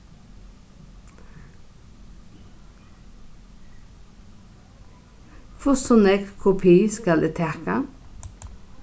hvussu nógv kopi skal eg taka